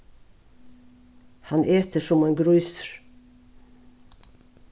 hann etur sum ein grísur